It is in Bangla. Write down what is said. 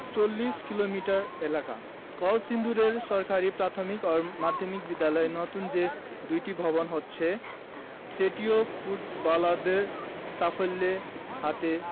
৪০ কিলোমিটার এলাকা কলসিন্দুর সরকারি প্রাথমিক ও মাধ্যমিক বিদ্যালয়ে নতুন যে দুটি ভবন হচ্ছে সেটিও ফুটবলারদের সাফল্যের হাত